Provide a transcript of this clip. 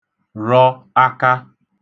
rọ akā